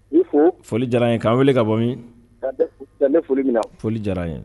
I fo foli diyara ye'a weele ka bɔ min foli foli diyara n ye